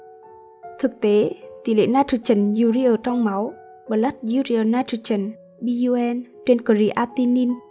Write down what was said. thực tế tỉ lệ nitrogen urea trong máu trên creatinine